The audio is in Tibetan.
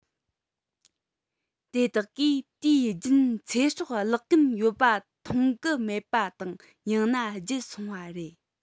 དེ དག གིས དུས རྒྱུན ཚེ སྲོག བརླག གིན ཡོད པ མཐོང གི མེད པ དང ཡང ན བརྗེད སོང བ རེད